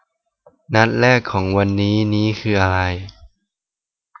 นัดแรกของวันนี้นี้คืออะไร